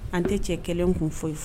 An tɛ cɛ kelen kun fɔ yen